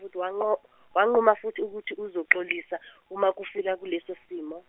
wanqu- wanquma futhi ukuthi uzoxolisa uma kufika kuleso simo.